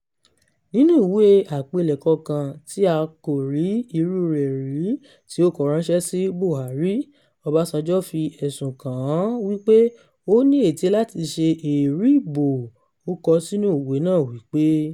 Nínú ìwé àpilẹ̀kọ kan tí a kò rí irúu rẹ̀ rí tí ó kọ ránṣẹ́ sí Buhari, Ọbásanjọ́ fi ẹ̀sùn kàn-án wípé ó ní ètè láti ṣe èrú ìbò. Ó kọ ọ́ sínú ìwé náà wípé: